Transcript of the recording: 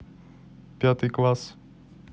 пятый класс